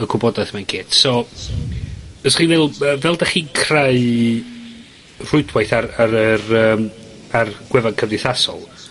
y gwybodaeth 'ma gyd. So os chi meddwl yy, fel 'dach chi'n creu rhwydwaith ar ar yr yym ar gwefan cymdeithasol,